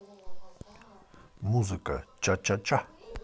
музыка ча ча